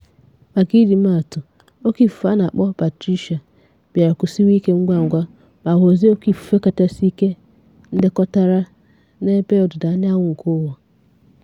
Maka ịji maa atụ, Óké Ifufe a na-akpọ Patricia bịara kusiwa ike ngwa ngwa ma ghọzie óké ifufe kachasị ike e ndekọtara n'Ebe Ọdịda Anyanwụ nke Uwa.